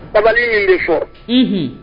Tabali min bɛ fɔ h